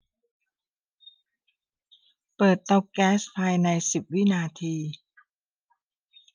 เปิดเตาแก๊สภายในสิบวินาที